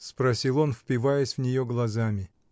— спросил он, впиваясь в нее глазами.